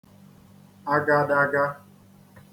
agadagā